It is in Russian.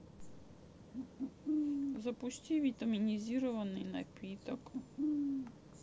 запусти витаминизированный напиток